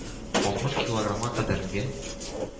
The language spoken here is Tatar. Алтмыш килограммга кадәрге